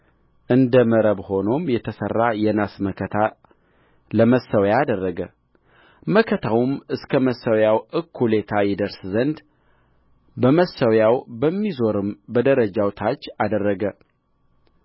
እንደ መረብ ሆኖም የተሠራ የናስ መከታ ለመሠዊያ አደረገ መከታውም እስከ መሠዊያው እኩሌታ ይደርስ ዘንድ በመሠዊያው በሚዞረው በደረጃው ታች አደረገ